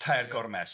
Tair gormes.